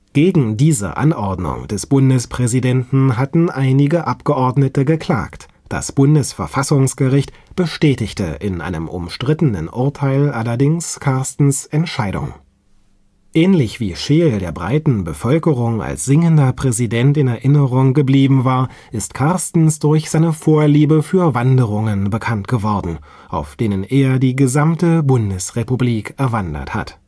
Gegen diese Anordnung des Bundespräsidenten hatten einige Abgeordnete geklagt, das Bundesverfassungsgericht bestätigte in einem umstrittenen Urteil allerdings Carstens’ Entscheidung. Ähnlich wie Scheel der breiten Bevölkerung als singender Präsident in Erinnerung geblieben war, ist Carstens durch seine Vorliebe für Wanderungen bekannt geworden, auf denen er die gesamte Bundesrepublik „ erwandert “hat